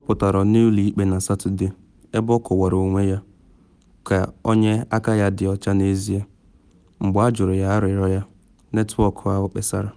Ọ pụtara n’ụlọ ikpe na Satọde, ebe ọ kọwara onwe ya “ka ọ onye aka dị ọcha, n’ezie” mgbe ajụrụ ya arịrịọ ya, netwọk ahụ kpesara.